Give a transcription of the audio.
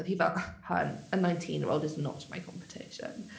Oedd hi fel "Hun, a nineteen year old is not my competition".